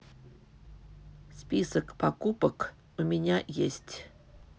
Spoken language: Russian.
список покупок у меня есть